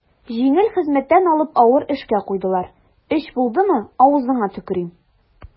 Җиңел хезмәттән алып авыр эшкә куйдылар, өч булдымы, авызыңа төкерим.